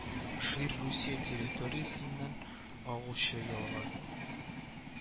Ширь Русия территориясеннән агучы елга